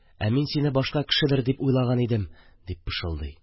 Ә мин сине башка кешедер дип уйлаган идем... – дип пышылдый